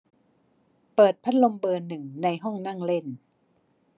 เปิดพัดลมเบอร์หนึ่งในห้องนั่งเล่น